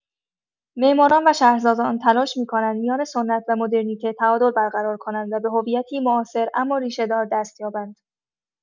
معماران و شهرسازان تلاش می‌کنند میان سنت و مدرنیته تعادل برقرار کنند و به هویتی معاصر اما ریشه‌دار دست یابند.